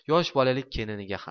yosh bolalik keliniga ham